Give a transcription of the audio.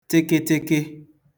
tịkịtịkị